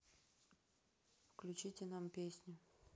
включите нам песню